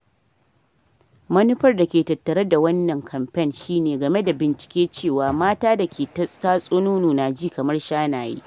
Munufan dake tattare da wannan kamfen shi ne game da bincike cewa mata da ke tatso nono na ji kamar shanaye.